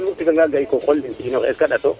o reta gayik qole kiinoxe est ce que ndato